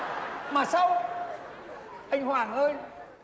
mà sao anh hoàng ơi